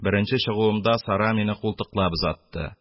Беренче чыгуымда Сара мине култыклап озатты...